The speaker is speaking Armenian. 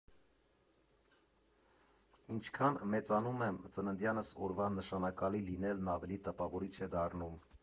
Ինչքան մեծանում եմ, ծննդյանս օրվա նշանակալի լինելն ավելի տպավորիչ է դառնում։